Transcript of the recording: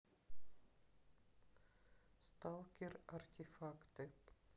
сталкер артефакты